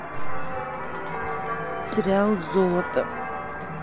сериал золото